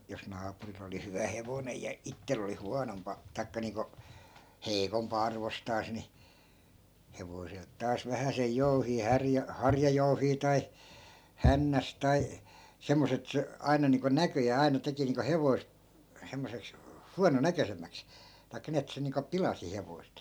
jos naapurilla oli hyvä hevonen ja itsellä oli huonompaa tai niin kuin heikompaa arvostansa niin hevoselta taas vähäsen jouhia - harjajouhia tai hännästä tai semmoista että se aina niin kuin näköjään aina teki niin kuin hevoset semmoiseksi huononäköisemmäksi tai niin että se niin kuin pilasi hevoset